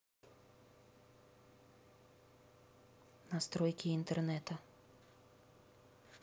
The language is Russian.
настройки интернета